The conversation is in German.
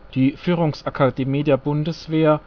Die Führungsakademie der Bundeswehr